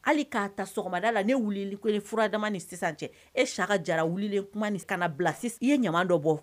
Hali k'a ta sɔgɔmada la ne weeleli furadama ni sisan cɛ e sa ka jara wili de kuma ni kana bila sisan i ye ɲama dɔ bɔ